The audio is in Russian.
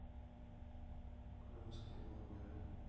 крымские блогеры